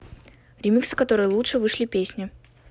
ремиксы которые лучше вышли песни